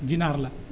ginaar la